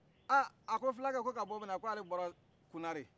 aa a ko fulakɛ ko ka bɔ minni k'ale bɔra kunare